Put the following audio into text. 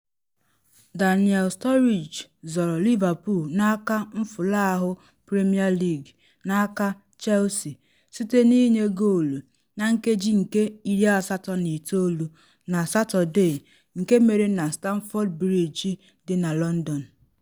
Daniel Sturridge zọrọ Liverpool n’aka nfụlahụ Premier League n’aka Chelsea site na ịnye goolu na nkeji nke 89 na Satode nke mere na Stamford Bridge dị na London.